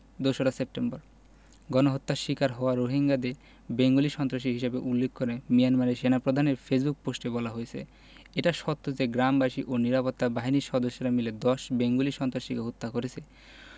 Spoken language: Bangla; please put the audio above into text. দুশরা সেপ্টেম্বর গণহত্যার শিকার হওয়া রোহিঙ্গাদের বেঙ্গলি সন্ত্রাসী হিসেবে উল্লেখ করে মিয়ানমারের সেনাপ্রধানের ফেসবুক পোস্টে বলা হয়েছে এটা সত্য যে গ্রামবাসী ও নিরাপত্তা বাহিনীর সদস্যরা মিলে ১০ বেঙ্গলি সন্ত্রাসীকে হত্যা করেছে